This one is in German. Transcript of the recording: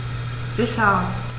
Sicher.